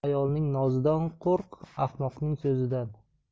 ayolning nozidan qo'rq ahmoqning so'zidan